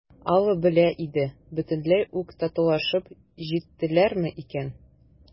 «алла белә инде, бөтенләй үк татулашып җиттеләрме икән?»